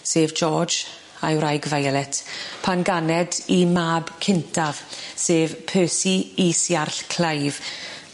sef George a'i wraig Violet pan ganed 'u mab cyntaf sef Percy is Iarll Clive.